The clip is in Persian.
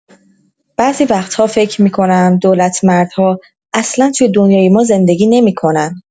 بعضی وقتا فکر می‌کنم دولتمردها اصلا تو دنیای ما زندگی نمی‌کنن!